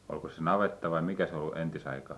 olikos se navetta vai mikä se oli entis aikaan